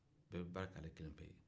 bɛɛ bɛ baara kɛ ale kelen pewu ye